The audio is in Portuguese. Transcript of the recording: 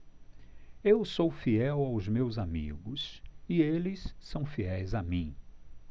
eu sou fiel aos meus amigos e eles são fiéis a mim